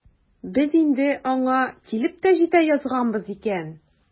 Без инде аңа килеп тә җитә язганбыз икән.